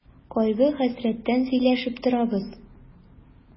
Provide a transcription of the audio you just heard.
Кайгы-хәсрәттән сөйләшеп торабыз.